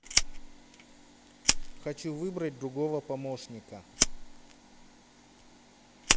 хочу выбрать другого помощника